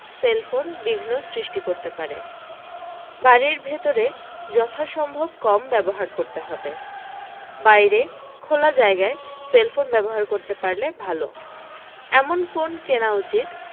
cellphone বিঘ্ন সৃষ্টি করতে পারে বাড়ীর ভেতরে যথাসম্ভব কম ব্যবহার করতে হবে বাইরে খোলা জায়গায় সেলফোন ব্যবহার করতে পারলে ভালো এমন ফোন কেনা উচিত